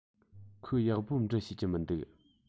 ཁོས ཡག པོ འབྲི ཤེས ཀྱི མི འདུག